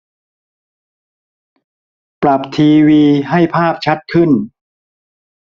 ปรับทีวีให้ภาพชัดขึ้น